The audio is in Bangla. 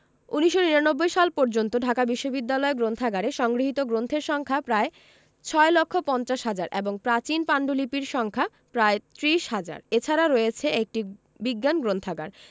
১৯৯৯ সাল পর্যন্ত ঢাকা বিশ্ববিদ্যালয় গ্রন্থাগারে সংগৃহীত গ্রন্থের সংখ্যা প্রায় ৬ লক্ষ ৫০ হাজার এবং প্রাচীন পান্ডুলিপির সংখ্যা প্রায় ত্রিশ হাজার এছাড়া রয়েছে একটি বিজ্ঞান গ্রন্থাগার